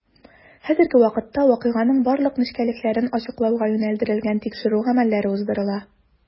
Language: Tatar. Хәзерге вакытта вакыйганың барлык нечкәлекләрен ачыклауга юнәлдерелгән тикшерү гамәлләре уздырыла.